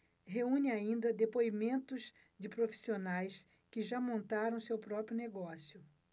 reúne ainda depoimentos de profissionais que já montaram seu próprio negócio